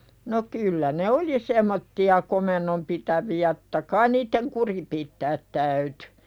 no kyllä ne oli semmoisia komennon pitäviä totta kai niiden kuri pitää täytyi